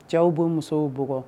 Cɛw bɛ musow bugɔgɔɔ